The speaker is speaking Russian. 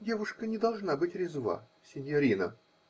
-- Девушка не должна быть резва, синьорино.